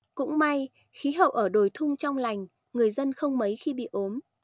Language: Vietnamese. cũng may khí hậu ở đồi thung trong lành người dân không mấy khi bị ốm